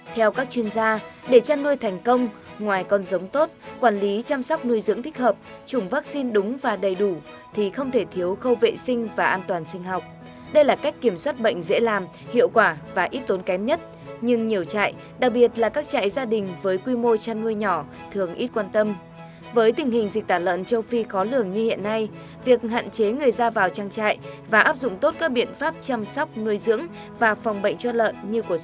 theo các chuyên gia để chăn nuôi thành công ngoài con giống tốt quản lý chăm sóc nuôi dưỡng thích hợp chủng vắc xin đúng và đầy đủ thì không thể thiếu khâu vệ sinh và an toàn sinh học đây là cách kiểm soát bệnh dễ làm hiệu quả và ít tốn kém nhất nhưng nhiều trại đặc biệt là các trại gia đình với quy mô chăn nuôi nhỏ thường ít quan tâm với tình hình dịch tả lợn châu phi khó lường như hiện nay việc hạn chế người ra vào trang trại và áp dụng tốt các biện pháp chăm sóc nuôi dưỡng và phòng bệnh cho lợn như của